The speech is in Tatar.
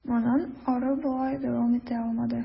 Моннан ары болай дәвам итә алмады.